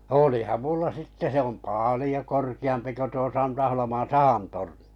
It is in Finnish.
olihan minulla sitten se on paljon korkeampi kuin tuo Santaholman sahan torni